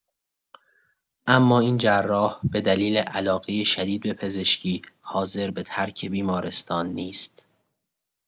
اما این جراح به دلیل علاقۀ شدید به پزشکی حاضر به ترک بیمارستان نیست.